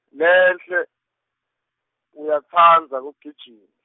Lihle, uyatsandza kugijim-.